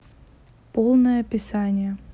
полное описание